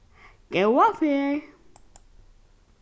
góða ferð